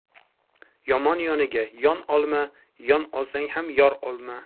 yomon yoniga yon olma yon olsang ham yor olma